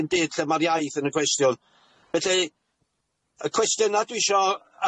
dim byd lle ma'r iaith yn y cwestiwn felly y cwestiyna dwi isho